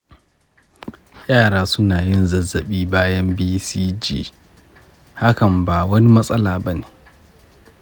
yara suna yin zazzabi bayan bcg, hakan ba wani matsala bane.